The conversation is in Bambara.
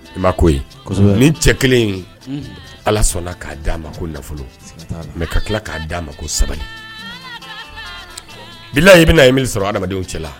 I ma ko ye Kɔsɛbɛ . Ni cɛ kelen in ala sɔnna ka dan ma nafolo. Mais ka kila ka dan ma ko sabali. Bilaye i bi na ye min bi sɔrɔ adamadenw cɛla.